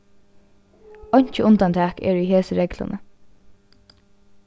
einki undantak er í hesi regluni